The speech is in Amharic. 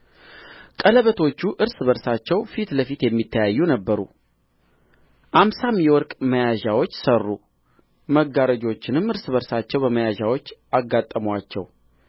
ቀለበቶቹ እርስ በርሳቸው ፊት ለፊት የሚተያዩ ነበሩ አምሳም የወርቅ መያዣዎች ሠሩ መጋረጆችንም እርስ በርሳቸው በመያዣዎች አጋጠሙአቸው